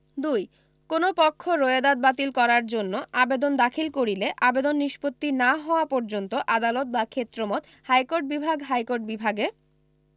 ২ কোন পক্ষ রোয়েদাদ বাতিল করার জন্য আবেদন দাখিল করিলে আবেদন নিস্পত্তি না হওয়া পর্যন্ত আদালত বা ক্ষেত্রমত হাইকোর্ট বিভাগ হাইকোর্ট বিভাগে